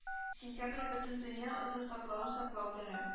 Сентябрь бөтендөнья озон катлавын саклау көне